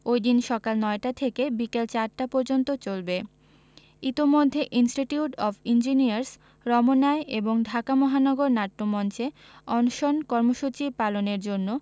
ওইদিন সকাল ৯টা থেকে বিকেল ৪টা পর্যন্ত চলবে ইতোমধ্যে ইন্সটিটিউট অব ইঞ্জিনিয়ার্স রমনায় এবং ঢাকা মহানগর নাট্যমঞ্চে অনশন কর্মসূচি পালনের জন্য